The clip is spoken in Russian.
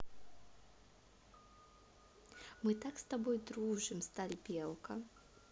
мы так с тобой дружим сталь белка